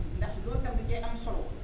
ndax loolu itam da cee am solo